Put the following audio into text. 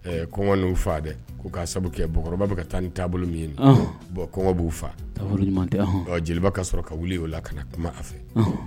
Kɔngɔ n'u faa dɛ ko k'a sabu kɛ Bakɔrɔba bɛ ka taa ni taabolo min ye nin bon kɔngɔ b'u faa jeliba ka sɔrɔ ka wuli o la ka na kuma a fɛ